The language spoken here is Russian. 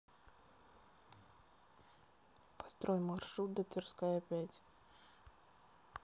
построй маршрут до тверская пять